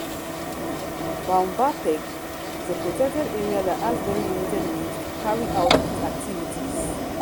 Boumba Bek is a protected area that has very limited means to carry out its activities.